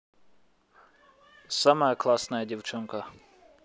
самая классная девчонка